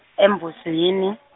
eMbuzini.